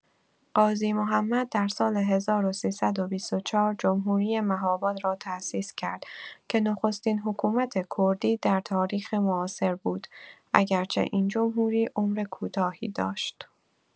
قاضی محمد در سال ۱۳۲۴ جمهوری مهاباد را تأسیس کرد که نخستین حکومت کردی در تاریخ معاصر بود، اگرچه این جمهوری عمر کوتاهی داشت.